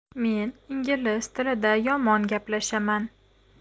men ingliz tilida yomon gaplashaman